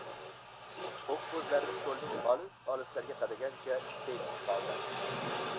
ko'kko'zlarini cho'lning olis olislariga qadagancha tek qoldi